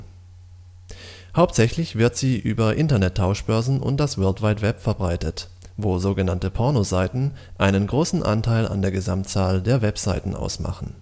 sie über Internet Tauschbörsen und das World Wide Web (WWW) verbreitet, wo so genannte „ Pornoseiten “einen großen Anteil an der Gesamtzahl der Webseiten ausmachen